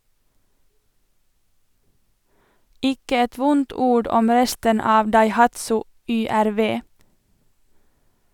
Ikke et vondt ord om resten av Daihatsu YRV.